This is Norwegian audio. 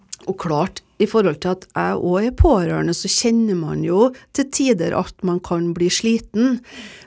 og klart i forhold til at jeg òg er pårørende så kjenner man jo til tider at man kan bli sliten.